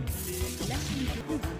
Sinangoya min fila nin kɔrɔya ban